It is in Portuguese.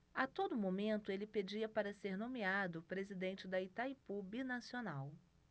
a todo momento ele pedia para ser nomeado presidente de itaipu binacional